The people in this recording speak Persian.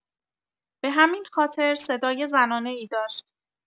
به همین خاطر صدای زنانه‌ای داشت.